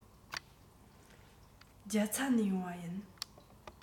རྒྱ ཚ ནས ཡོང བ ཡིན